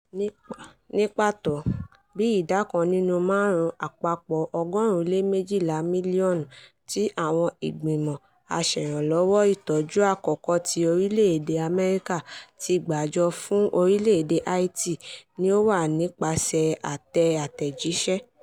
Ní pàtó, bíi ìdá kan nínú márùn-ún àpapọ̀ $112 mílíọ̀nù tí àwọn Ìgbìmọ̀ Aṣèrànlọ́wọ́ Ìtọ́jú Àkọ́kọ́ tí orílẹ̀ èdè America ti gbàjọ fún orílẹ̀-èdè Haiti ni ó wá nípasẹ̀ àtẹ̀ àtẹ̀jíṣẹ́.